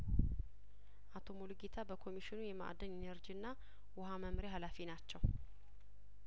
አቶ ሙሉጌታ በኮሚሽኑ የማእድን ኢነርጂና ውሀ መምሪያሀላፊ ናቸው